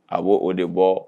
A bɔ o de bɔ